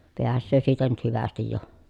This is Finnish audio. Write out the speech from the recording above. pääsee siitä nyt hyvästi jo